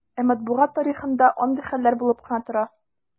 Ә матбугат тарихында андый хәлләр булып кына тора.